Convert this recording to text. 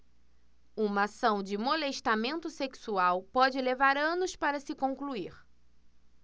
uma ação de molestamento sexual pode levar anos para se concluir